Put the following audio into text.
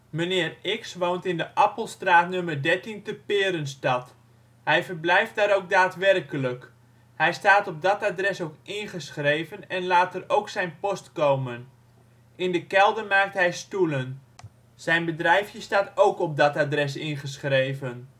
Meneer x woont in de Appelstraat nr 13 te Perenstad. Hij verblijft daar ook daadwerkelijk. Hij staat op dat adres ook ingeschreven en laat er ook zijn post komen. In de kelder maakt hij stoelen; zijn bedrijfje staat ook op dat adres ingeschreven